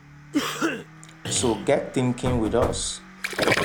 So get thinking with us!